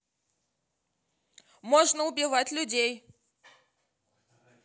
можно убивать людей